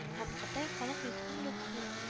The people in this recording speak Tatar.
Һәм кытай халык республикасының